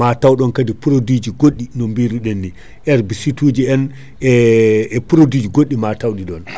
ma taw ɗon produit ji goɗɗi no biruɗen ni herbicide en e produit ji goɗɗi ma taw ɗum ɗon